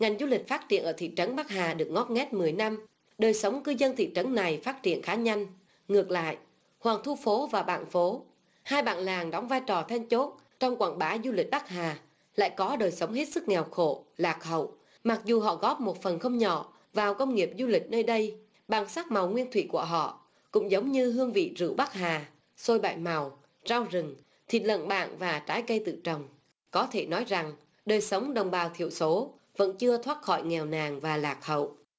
nền du lịch phát triển ở thị trấn bắc hà được ngót nghét mười năm đời sống cư dân thị trấn này phát triển khá nhanh ngược lại hoàng thu phố và bạn phố hai bản làng đóng vai trò then chốt trong quảng bá du lịch đắc hà lại có đời sống hết sức nghèo khổ lạc hậu mặc dù họ góp một phần không nhỏ vào công nghiệp du lịch nơi đây bằng sắc màu nguyên thủy của họ cũng giống như hương vị rượu bắc hà xôi bảy màu rau rừng thịt lãng mạn và trái cây tự trồng có thể nói rằng đời sống đồng bào thiểu số vẫn chưa thoát khỏi nghèo nàn và lạc hậu